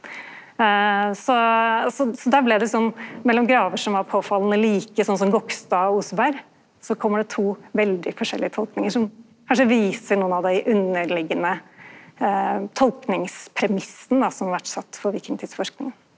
så altså så der blei det liksom mellom graver som var påfallande like sånn som Gokstad og Oseberg så kjem det to veldig forskjellige tolkingar som kanskje viser nokon av dei underliggande tolkingspremissane då som har vore sett for vikingtidsforsking.